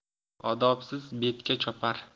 odobsiz betga chopar